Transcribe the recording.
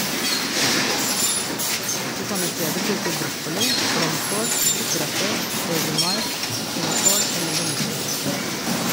Du kan i stedet bruke brokkoli, blomkål, sukkererter, babymais, kinakål eller bønnespirer.